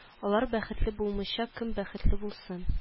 Алар бәхетле булмыйча кем бәхетле булсын